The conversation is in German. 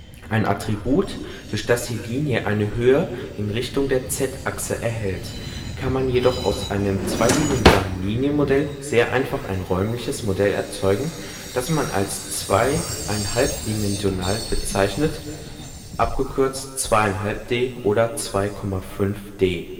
ein Attribut, durch das die Linie eine Höhe in Richtung der Z-Achse erhält – kann man jedoch aus einem zweidimensionalen Linienmodell sehr einfach ein räumliches Modell erzeugen, das man als zweieinhalbdimensional bezeichnet, abgekürzt 2½D oder 2,5-D